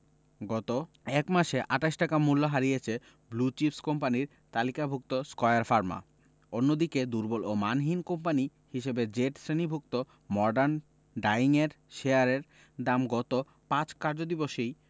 গত এক মাসে ২৮ টাকা মূল্য হারিয়েছে ব্লু চিপস কোম্পানির তালিকাভুক্ত স্কয়ার ফার্মা অন্যদিকে দুর্বল ও মানহীন কোম্পানি হিসেবে জেড শ্রেণিভুক্ত মর্ডান ডায়িংয়ের শেয়ারের দাম গত ৫ কার্যদিবসেই